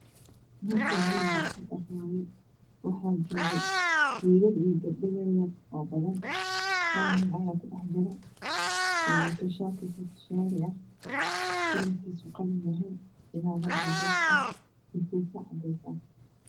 Meshan mel barxad ah waye waxaa jooga wiilal iyo gabdho yar yar ah oo badan hal mid ayaa hal nin ayaa ku dhex jira oo wata shar futushaiya karalkisu qalin yahay iyo cimamad cades ah iyo kofi cadees ah